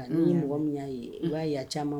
' ye mɔgɔ min y' ye u'a ya caman